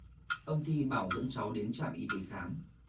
ông thi bảo dẫn cháu đến trạm y tế khám